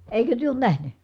eikö te ole nähnyt